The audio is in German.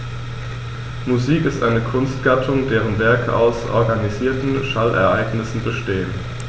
Musik ist eine Kunstgattung, deren Werke aus organisierten Schallereignissen bestehen.